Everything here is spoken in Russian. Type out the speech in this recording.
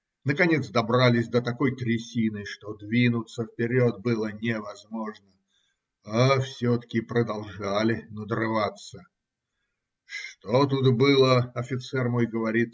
Наконец добрались до такой трясины, что двинуться вперед было невозможно, а все-таки продолжали надрываться! "Что тут было, офицер мой говорит,